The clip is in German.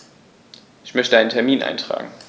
Ich möchte einen Termin eintragen.